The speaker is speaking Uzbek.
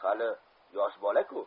hali yosh bola ku